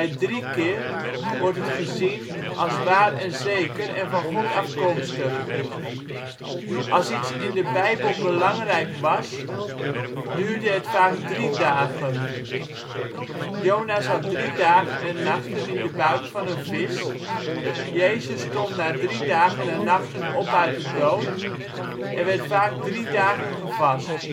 drie keer wordt het gezien als waar en zeker en van God afkomstig. Als iets in de bijbel belangrijk was duurde het vaak drie dagen: Jona zat drie dagen en nachten in de buik van een vis, Jezus stond na drie dagen en nachten op uit de dood, er werd vaak drie dagen gevast